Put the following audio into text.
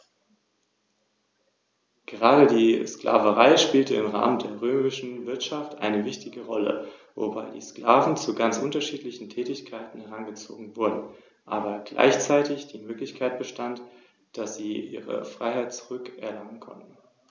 Dieser musste nach Roms Sieg auf einen Großteil seiner Besitzungen in Kleinasien verzichten.